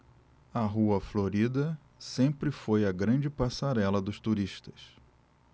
a rua florida sempre foi a grande passarela dos turistas